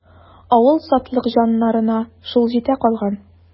Авыл сатлыкҗаннарына шул җитә калган.